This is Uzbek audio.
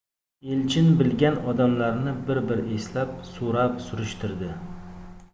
elchin bilgan odamlarni bir bir eslab so'rab surishtirdi